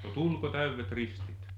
no tuliko täydet ristit